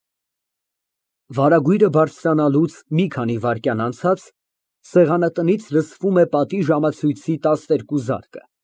Վարագույրը բարձրանալուց մի քանի վայրկյան անցած սեղանատնից լսվում է պատի ժամացույցի տասներկու զարկը։